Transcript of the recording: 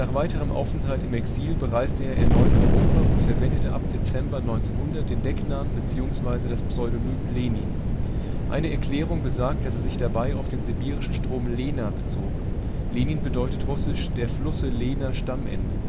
weiterem Aufenthalt im Exil bereiste er erneut Europa und verwendete ab Dezember 1900 den Decknamen beziehungsweise das Pseudonym „ Lenin “. Eine Erklärung besagt, dass er sich dabei auf den sibirischen Strom Lena bezog (Lenin bedeutet russisch: „ Der vom Flusse Lena Stammende